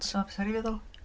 Cael amser i feddwl.